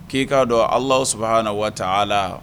Ki ka dɔn Alahu subahana watala